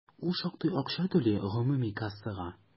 Ул шактый акча түли гомуми кассага.